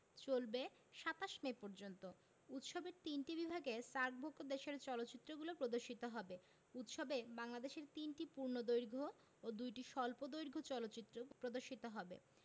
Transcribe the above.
চলবে ২৭ মে পর্যন্ত উৎসবের তিনটি বিভাগে সার্কভুক্ত দেশের চলচ্চিত্রগুলো প্রদর্শিত হবে উৎসবে বাংলাদেশের ৩টি পূর্ণদৈর্ঘ্য ও ২টি স্বল্পদৈর্ঘ্য চলচ্চিত্র প্রদর্শিত হবে